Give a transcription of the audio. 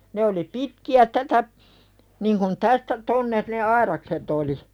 ne oli pitkiä tätä niin kuin tästä tuonne ne aidakset oli